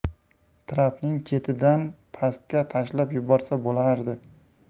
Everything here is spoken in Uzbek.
trapning chetidan pastga tashlab yuborsa bo'lardi